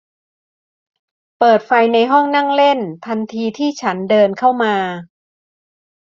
เปิดไฟในห้องนั่งเล่นทันทีที่ฉันเดินเข้ามา